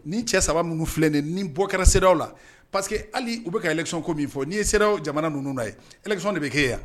Ni cɛ saba minnu filɛ nin ni bɔ kɛra sew la parce que hali u bɛ ka ekson ko min fɔ n'i ye se jamana ninnu na ye esɔn de bɛ kɛ yan